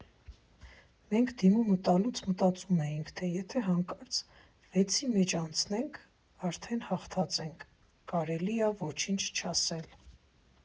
Մենք դիմումը տալուց մտածում էինք՝ դե եթե հանկարծ վեցի մեջ անցնենք, արդեն հաղթած ենք, կարելի ա ոչինչ չանել։